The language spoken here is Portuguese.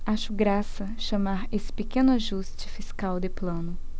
acho graça chamar esse pequeno ajuste fiscal de plano